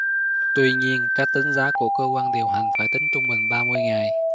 tuy nhiên cách tính giá của cơ quan điều hành phải tính trung bình ba mươi ngày